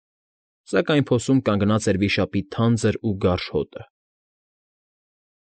Սակայն փոսում կանգնած էր վիշապի թանձր ու գարշ հոտը։